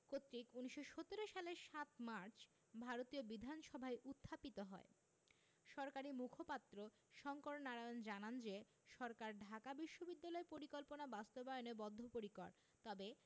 কর্তৃক ১৯১৭ সালের ৭ মার্চ ভারতীয় বিধানসভায় উত্থাপিত হয় সরকারি মুখপাত্র শঙ্কর নারায়ণ জানান যে সরকার ঢাকা বিশ্ববিদ্যালয় পরিকল্পনা বাস্তবায়নে বদ্ধপরিকর তবে